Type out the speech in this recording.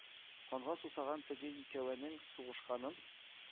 Канга сусаган теге икәвенең сугышканын,